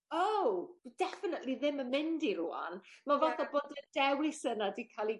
o definitely ddim yn mynd i rŵan ma' fath o bod y dewis yna 'di ca'l 'i...